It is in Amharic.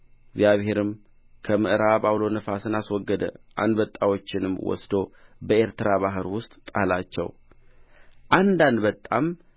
እግዚአብሔርም ከምዕራብ ዐውሎ ነፋሱን አስወገደ አንበጣዎችንም ወስዶ በኤርትራ ባሕር ውስጥ ጣላቸው አንድ አንበጣም